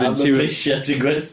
Am y prisiau ti'n gwerthu...